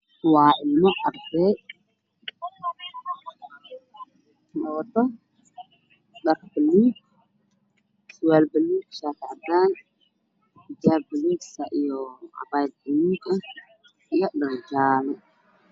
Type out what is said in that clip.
Waa arday iskoollay ah oo isugu jira gabdho iyo wiilal wiilasha waxay wataan shaatiya caddaan surwaalo gabdhaha waxay wataan abaayada iyo xijaabo buluug ah